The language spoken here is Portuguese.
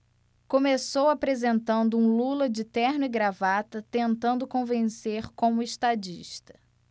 começou apresentando um lula de terno e gravata tentando convencer como estadista